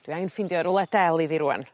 Dwi angen ffindio rwle del iddi rŵan.